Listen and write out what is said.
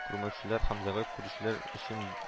Күрмәүчеләр һәм зәгыйфь күрүчеләр өчен